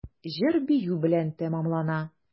Җыр-бию белән тәмамлана.